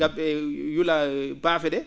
ga??e yula baafe ?ee